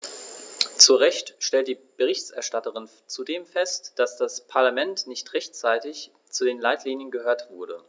Zu Recht stellt die Berichterstatterin zudem fest, dass das Parlament nicht rechtzeitig zu den Leitlinien gehört wurde.